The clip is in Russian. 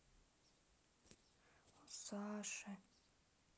у саши